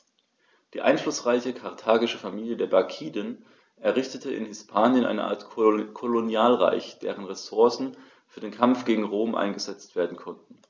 Die einflussreiche karthagische Familie der Barkiden errichtete in Hispanien eine Art Kolonialreich, dessen Ressourcen für den Kampf gegen Rom eingesetzt werden konnten.